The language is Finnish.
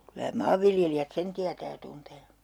kyllä maanviljelijät sen tietää ja tuntee